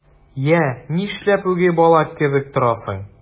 Йә, нишләп үги бала кебек торасың?